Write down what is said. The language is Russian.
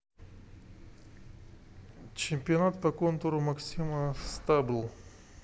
чемпионат по конкуру максима stable